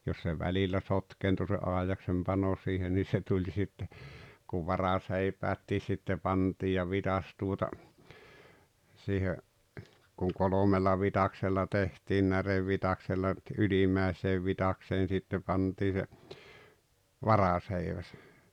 jos se välillä sotkeentui se aidaksen pano siihen niin se tuli sitten kun varaseipäätkin sitten pantiin ja vitsas tuota siihen kun kolmella vitsaksella tehtiin närevitsaksella - ylimmäiseen vitsakseen sitten pantiin se varaseiväs